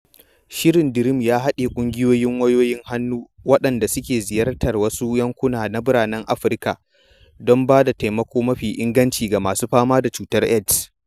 Shirin DREAM ya haɗe ƙungiyoyin wayoyin hannu waɗanda suka ziyarci wasu yankuna na biranen Afirka don ba da taimako mafi inganci ga masu fama da cutar AIDS.